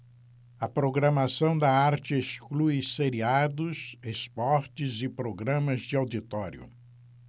a programação da arte exclui seriados esportes e programas de auditório